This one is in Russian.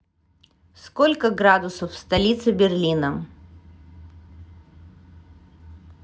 сколько градусов в столице берлине